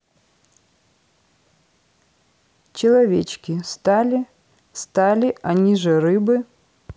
человечки стали стали они же рыбы